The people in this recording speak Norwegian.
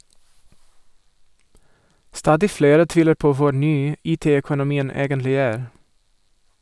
Stadig flere tviler på hvor "ny" IT-økonomien egentlig er.